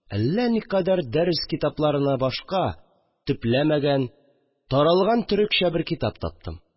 Әллә никадәр дәрес китапларына башка, төпләмәгән, таралган төрекчә бер китап таптым